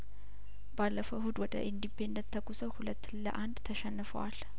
ባለፈው እሁድ ወደ ኢንዲ ፔንደንት ተጉዞ ሁለት ለአንድ ተሸንፈዋል